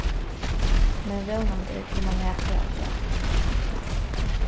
men vónandi koma nakrar afturat